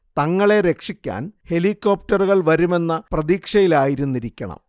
തങ്ങളെ രക്ഷിക്കാൻ ഹെലികോപ്റ്ററുകൾ വരുമെന്ന പ്രതീക്ഷയിലായിരുന്നിരിക്കണം